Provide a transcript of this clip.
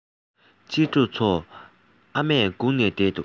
གཅེས ཕྲུག ཚོ ཨ མས སྒུག ནས བསྡད འདུག